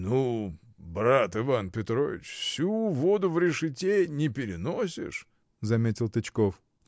— Ну, брат, Иван Петрович: всю воду в решете не переносишь. — заметил Тычков.